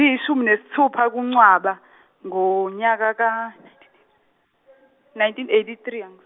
yishumi nesithupha kuNcwaba ngonyaka ka , nineteen eighty three .